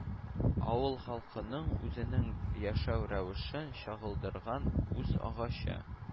Авыл халкының үзенең яшәү рәвешен чагылдырган үз агачы,